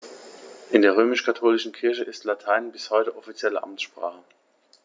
In der römisch-katholischen Kirche ist Latein bis heute offizielle Amtssprache.